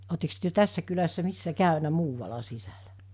oletteko te tässä kylässä missä käynyt muualla sisällä